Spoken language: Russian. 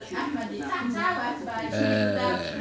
радио слушать